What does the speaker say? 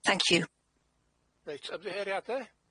Thank you. Reit ymddiheiriade-